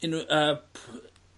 unryw yy pw-